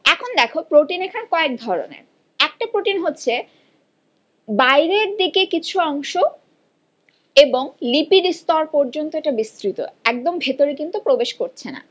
এখন দেখো প্রোটিন এখানে কয়েক ধরনের একটা প্রোটিন হচ্ছে বাইরের দিকে কিছু অংশ এবং লিপিড স্তর পর্যন্ত এটা বিস্তৃত একদম ভেতরে কিন্তু প্রবেশ করছে না